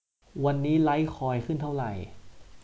วันนี้ไลท์คอยน์ขึ้นเท่าไหร่